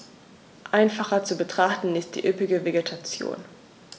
Einfacher zu betrachten ist die üppige Vegetation.